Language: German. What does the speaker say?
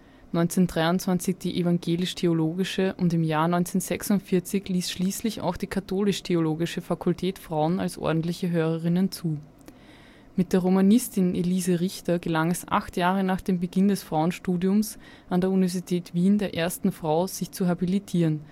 1923 die evangelisch-theologische und im Jahr 1946 ließ schließlich auch die katholisch-theologische Fakultät Frauen als ordentliche Hörerinnen zu. Mit der Romanistin Elise Richter gelang es acht Jahre nach dem Beginn des Frauenstudiums an der Universität Wien der ersten Frau, sich zu habilitieren